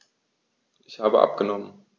Ich habe abgenommen.